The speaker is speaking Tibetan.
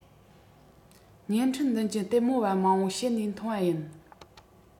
བརྙན འཕྲིན མདུན གྱི ལྟད མོ བ མང པོ བཤད ནས མཐོང པ ཡིན